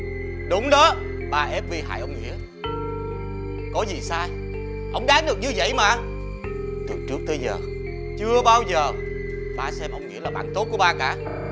đúng đó ba ép vy hại ông nghĩa có gì sai ông đáng được như vậy mà từ trước tới giờ chưa bao giờ ba xem ông nghĩa là bạn tốt của ba cả